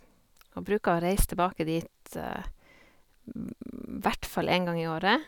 Og bruker å reise tilbake dit hvert fall en gang i året.